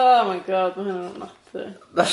Oh my god ma' hynna'n ofnadwy.